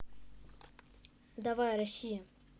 давай россия